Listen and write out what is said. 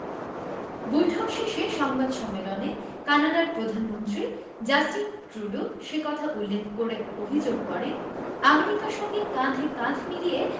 বৈঠক শেষে সংবাদ সম্মেলনে কানাডার প্রধানমন্ত্রী জাস্টিন ট্রুডো সে কথা উল্লেখ করে অভিযোগ করেন আমেরিকার সঙ্গে কাঁধে কাঁধ মিলিয়ে